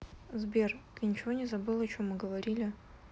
сбер ты ничего не забыл о чем мы говорили